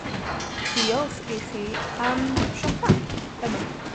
diolch i chi am siopa yma.